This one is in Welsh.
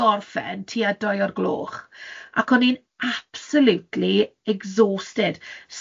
gorffen tua dau o'r gloch, ac o'n i'n absolutely exhausted.